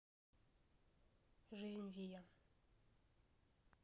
жизнь вия